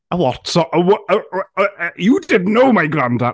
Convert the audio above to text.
A what so-? You didn't know my granda-